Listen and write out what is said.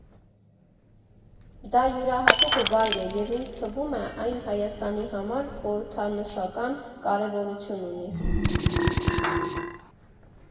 «Դա յուրահատուկ վայր է և ինձ թվում է՝ այն Հայաստանի համար խորհրդանշական կարևորություն ունի։